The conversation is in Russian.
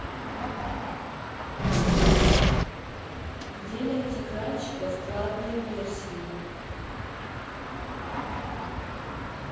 где найти кранчиков платной версии